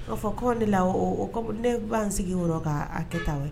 'a fɔ ko de la ne b'an sigi woro k'a kɛta ye